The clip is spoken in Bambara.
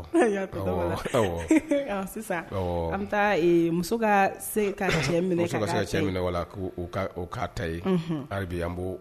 An muso ka se ka cɛ minɛ wala ka ta ye arabi anbo